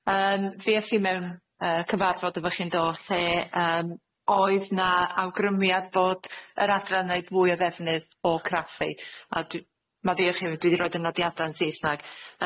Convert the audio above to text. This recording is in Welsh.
Yym fues i mewn yy cyfarfod efo chi yndo lle yym oedd na awgrymiad bod yr adran neud fwy o ddefnydd o craffu a dwi maddeuwch i mi dwi 'di roid y nodiada'n Saesneg